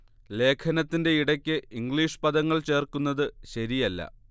ലേഖനത്തിന്റെ ഇടക്ക് ഇംഗ്ലീഷ് പദങ്ങൾ ചേർക്കുന്നത് ശരിയല്ല